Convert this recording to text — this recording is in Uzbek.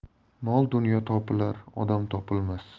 mol dunyo topilar odam topilmas